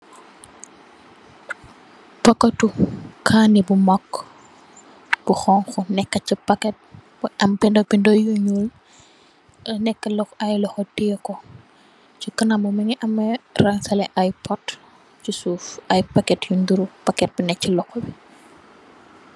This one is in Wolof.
Packet tu kanne bu mak bu xonxo bu neka ci packet am binda binda yu nuul ak neka ay loxo teyeh ko ci kanamam mungi am rangseleh ay pot ci suuf ay packet yu nyuro nekka ci loxo bi.